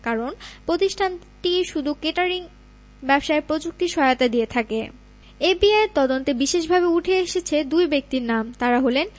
কারণ প্রতিষ্ঠানটি শুধু কেটারিং ব্যবসায় প্রযুক্তি সহায়তা দিয়ে থাকে এফবিআইয়ের তদন্তে বিশেষভাবে উঠে এসেছে দুই ব্যক্তির নাম তাঁরা হলেন